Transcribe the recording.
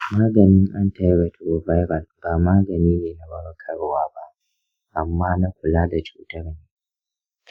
maganin antiretroviral ba magani ne na warkarwa ba, amma na kula da cutar ne.